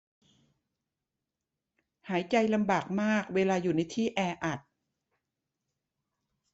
หายใจลำบากมากเวลาอยู่ในที่แออัด